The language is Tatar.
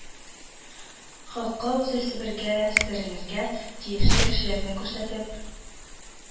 Халкы үзе себергә сөрелергә тиешле кешеләрне күрсәтеп,